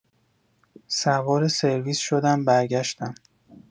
سوار سرویس شدم برگشتم.